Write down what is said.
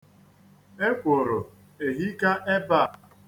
Ekworo ehika ebe a.